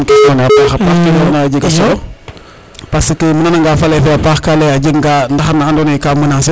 nanam question na a paxa paax ke leyona a jega solo parce que im nana nga faley fe a paax ka leye a jega nga ndaxar na ando naye ka menancer